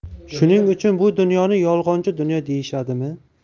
shuning uchun bu dunyoni yolg'onchi dunyo deyishadimi